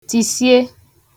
tìsie